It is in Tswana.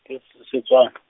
ke S-, Setswan-.